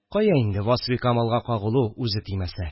Кая инде Васфикамалга кагылу, үзе тимәсә